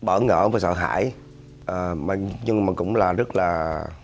bỡ ngỡ và sợ hãi ờ minh nhưng mà cũng là rất là